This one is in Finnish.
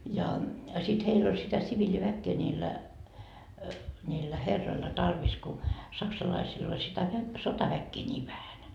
ja sitten heillä oli sitä siviiliväkeä niillä niillä herroilla tarvis kun saksalaisilla oli sitä - sotaväkeä niin vähän